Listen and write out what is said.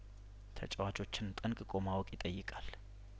ተጫዋቾችን ጠንቅቆ ማወቅ ይጠይቃል